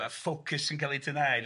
ma' focus yn cael ei dynhau,